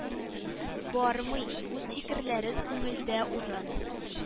Бармый, үз фикерләрен күңелдә урын